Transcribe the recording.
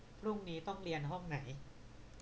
พรุ่งนี้ต้องเรียนห้องไหน